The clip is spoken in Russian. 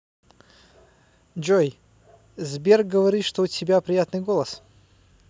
джой сбер говорит что у тебя приятный голос